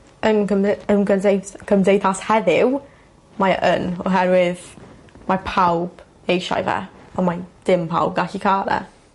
yn gymdy- yn gymdeis cymdeithas heddiw mae yn oherwydd mae pawb eisiau fe on' mae dim pawb gallu ca'l e.